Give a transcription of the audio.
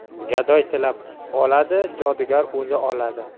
gadoy tilab oladi jodugar o'zi oladi